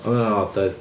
Oedd hwnna'n od, doedd.